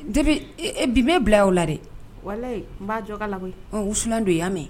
Debi bibe bila' la dɛ u filan don y'a mɛn